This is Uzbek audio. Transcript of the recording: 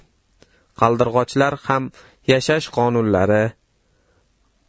qaldirg'ochlar ham yashash qonunlari